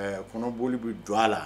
Kɔnɔolili bɛ jɔ a la